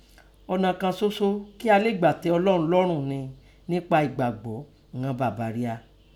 Ọ̀nà kàn soso kí a le gba tẹ́ Ọlọ́un lorun nẹ ńẹpa ẹ̀gbàgbọ́ ìnan bàbá ria.